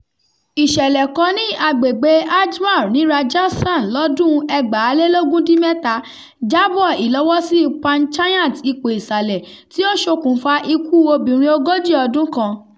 Ìṣẹ̀lẹ̀ kan ní agbègbèe Ajmer ní Rajasthan lọ́dún-un 2017 jábọ̀ ìlọ́wọ́sí panchayat ipò-ìsàlẹ̀ tí ó ṣ'okùnfa ikú obìnrin ogójì ọdún kan.